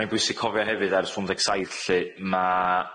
Mae'n bwysig cofio hefyd ers dwy fil un deg saith lly ma'